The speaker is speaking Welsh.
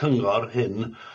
ar hyn